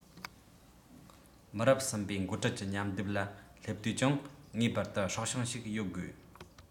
མི རབས གསུམ པའི འགོ ཁྲིད ཀྱི མཉམ བསྡེབ ལ སླེབས དུས ཀྱང ངེས པར དུ སྲོག ཤིང ཞིག ཡོད དགོས